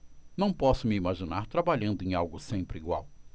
não posso me imaginar trabalhando em algo sempre igual